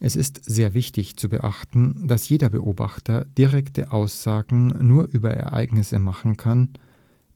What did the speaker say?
Es ist sehr wichtig zu beachten, dass jeder Beobachter direkte Aussagen nur über Ereignisse machen kann,